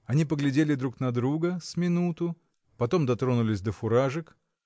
Они поглядели друг на друга с минуту, потом дотронулись до фуражек.